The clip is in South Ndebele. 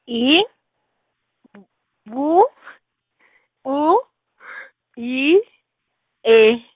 I, B B, U , Y, E.